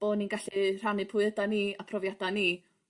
Bo' ni'n gallu rhannu pwy ydan ni a profiada ni.